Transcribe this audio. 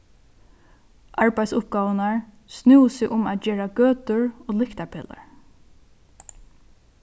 arbeiðsuppgávurnar snúðu seg um at gera gøtur og lyktarpelar